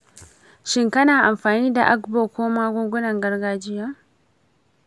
shin kana amfani da agbo ko magungunan gargajiya?